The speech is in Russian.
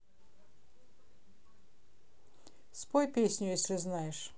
спой песню если знаешь